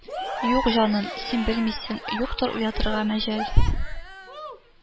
Юк, җаным, син белмисең, юктыр уятырга мәҗал